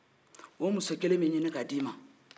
o muso kelen bɛ ɲini k'a di ma